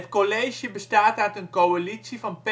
college bestaat uit een coalitie van